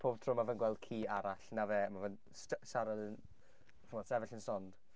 Pob tro mae fe'n gweld ci arall, 'na fe. Ma' fe'n siarad yn, chimod, sefyll yn stond.